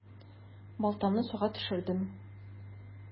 Балтамны суга төшердем.